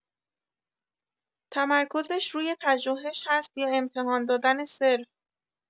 تمرکزش روی پژوهش هست یا امتحان دادن صرف؟